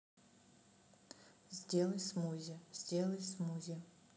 сделай смузи сделай смузи